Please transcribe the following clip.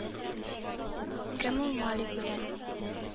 Кем ул Малик белән